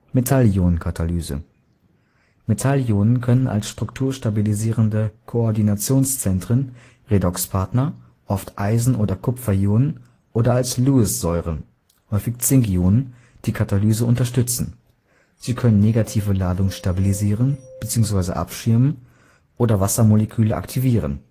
Metallionen-Katalyse Metallionen können als strukturstabilisierende Koordinationszentren, Redox-Partner (oft Eisen - oder Kupfer-Ionen) oder als Lewis-Säuren (häufig Zink-Ionen) die Katalyse unterstützen. Sie können negative Ladungen stabilisieren bzw. abschirmen oder Wassermoleküle aktivieren